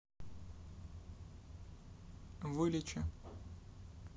вылечи